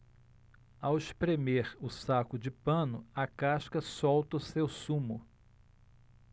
ao espremer o saco de pano a casca solta seu sumo